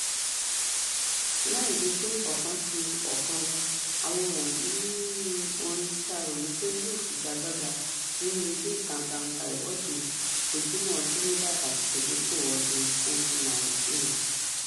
Láì wípé ọ̀kan ju ọ̀kan lọ, àwọn wọ̀nyí ni orin tí a rò wípé yóò figagbága nínú Ijó ìta-gbangba Ìwọ́de Ojúnà Trinidad àti Tobago ọdún-un 2019...